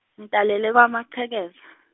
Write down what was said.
ngitalelwe Kamachekeza.